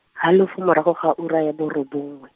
halofo morago ga ura ya borobongwe.